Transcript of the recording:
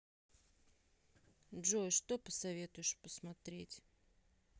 джой что посоветуешь посмотреть